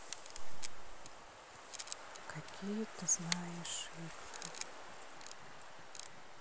какие ты знаешь игры